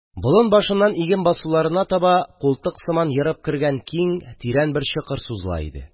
Болын башыннан иген басуларына таба култык сыман ерып кергән киң, тирән бер чокыр сузыла иде.